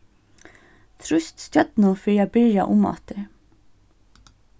trýst stjørnu fyri at byrja umaftur